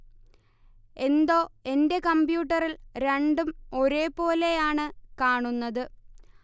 എന്തോ എന്റെ കമ്പ്യൂട്ടറിൽ രണ്ടും ഒരേ പോലെ ആണ് കാണുന്നത്